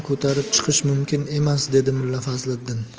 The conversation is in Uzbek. ko'tarib chiqish mumkin emas dedi mulla fazliddin